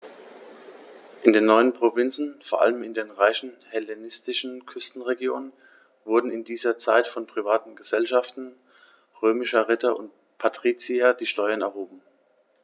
In den neuen Provinzen, vor allem in den reichen hellenistischen Küstenregionen, wurden in dieser Zeit von privaten „Gesellschaften“ römischer Ritter und Patrizier die Steuern erhoben.